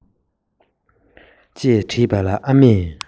ཅེས དྲིས པ ལ ཨ མས